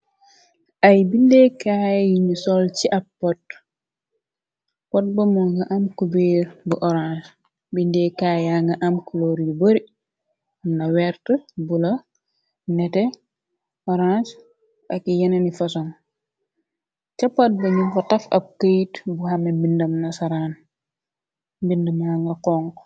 Ay bindeekaay yun sol ci ab pot pot bi monga am kubeer bu orance bindeekaay ya nga am color bu bari am na werta bulo nete orance ak yene ni fasoŋ cà pot bi nyun fa taf ab këyt bu xame mbindma nasaran binda banga xonxu.